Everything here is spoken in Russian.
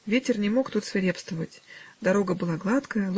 Ветер не мог тут свирепствовать дорога была гладкая